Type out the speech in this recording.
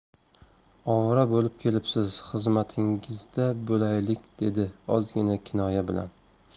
ovora bo'lib kelibsiz xizmatingizda bo'laylik dedi ozgina kinoya bilan